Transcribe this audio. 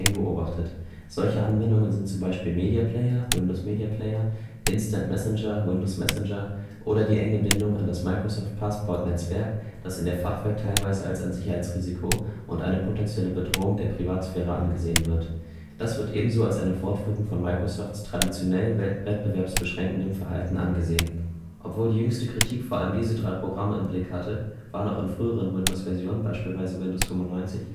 beobachtet. Solche Anwendungen sind zum Beispiel Mediaplayer (Windows Media Player), Instant Messenger (Windows Messenger) oder die enge Bindung an das Microsoft-Passport-Netzwerk, das in der Fachwelt teilweise als ein Sicherheitsrisiko und eine potentielle Bedrohung der Privatsphäre angesehen wird. Das wird ebenso als eine Fortführung von Microsofts traditionell wettbewerbsbeschränkendem Verhalten angesehen. Obwohl die jüngste Kritik vor allem diese drei Programme im Blick hatte, waren auch in früheren Windows-Versionen – beispielsweise Windows 95